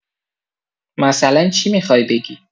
مثلا چی می‌خوای بگی؟